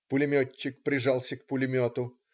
Пулеметчик прижался к пулемету.